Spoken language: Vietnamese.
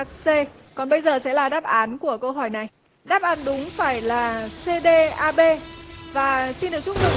xê còn bây giờ sẽ là đáp án của câu hỏi này đáp án đúng phải là xê đê a bê và xin được chúc mừng